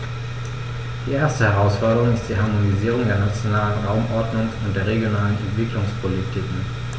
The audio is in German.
Die erste Herausforderung ist die Harmonisierung der nationalen Raumordnungs- und der regionalen Entwicklungspolitiken.